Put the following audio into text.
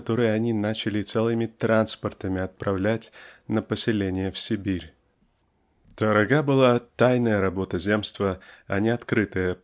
который они начали целыми транспортами отправлять на поселение в Сибирь. Дорога была тайная работа земства а не открытая